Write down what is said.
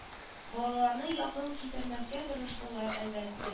Балаларны якын китермәскә тырыштылар әлбәттә